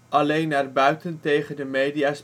alleen naar buiten tegen de media